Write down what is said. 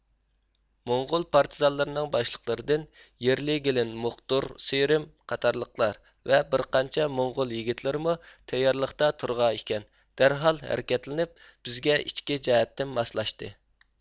موڭغۇل پارتىزانلىرىنىڭ باشلىقلىرىدىن يىرلېگىلېن موقدۇر سىرىم قاتالىقلار ۋە بىرقانچە موڭغۇل يىگىتلىرىمۇ تەييارلىقتا تۇرغان ئىكەن دەرھال ھەرىكەتلىنىپ بىزگە ئىچكى جەھەتتىن ماسلاشتى